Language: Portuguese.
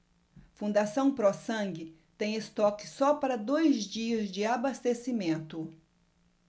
fundação pró sangue tem estoque só para dois dias de abastecimento